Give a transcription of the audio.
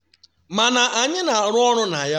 Mana anyị na-arụ ọrụ na ya.